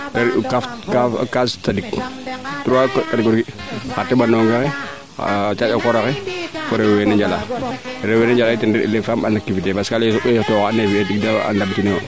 te reend u case tadik trois categorie xa teɓanongaxe xa caand a koora xe fo rew we na njalaarewe na njala yit ten ref les femme en activité parce :farq ue ale soɓeyo tewoxa ando naye fiyee tig de ndamb dinoyo